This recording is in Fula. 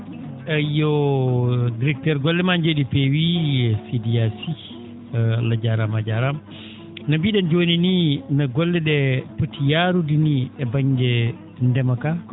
eyyo directeur golle ma joo?ii peewi Sidy Yaya Sy Allah jaaraama a jaaraama no mbii?en jooni nii no golle ?ee poti yaarude ni e ba??e ndema kaa